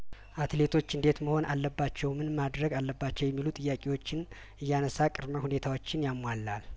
አትሌቶች እንዴት መሆን አለባቸውምን ማድረግ አለባቸው የሚሉ ጥያቄዎችን እያነሳ ቅድመ ሁኔታዎችን ያሟላል